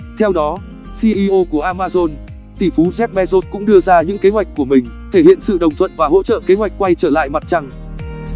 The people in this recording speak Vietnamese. theo đó ceo của amazon tỷ phú jeff bezos cũng đưa ra những kế hoạch của mình thể hiện sự đồng thuận và hỗ trợ kế hoạch quay trở lại mặt trăng